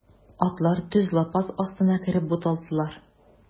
Атлар төз лапас астына кереп буталдылар.